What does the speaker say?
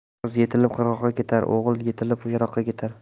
qiz yetilib qirg'oqqa ketar o'g'il yetilib yiroqqa ketar